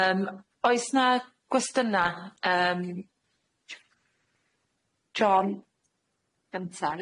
Yym oes na gwestynna yym John gynta ia?